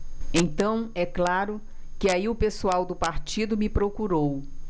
então é claro que aí o pessoal do partido me procurou